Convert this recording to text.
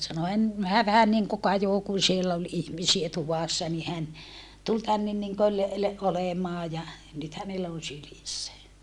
sanoi en hän vähän niin kuin kajosi kun siellä oli ihmisiä tuvassa niin hän tuli tänne niin kuin - olemaan ja nyt hänellä on sylissä